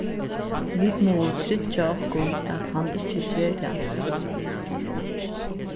vit mugu tryggja okkum at hann ikki ger tað